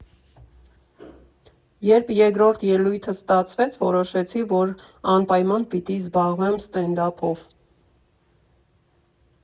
Երբ երկրորդ ելույթս ստացվեց, որոշեցի, որ անպայման պիտի զբաղվեմ ստենդափով։